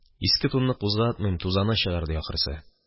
Иске тунны кузгатмыйм, тузаны чыгар ди, ахрысы.